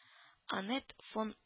— анет фон